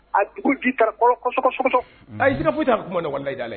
A dugu jitasɔsɔ a jira bɔ ta a kuma na ɲɔgɔn' la